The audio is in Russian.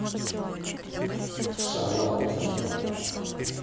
шалава ты ебаная